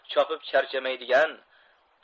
chopib charchamaydigan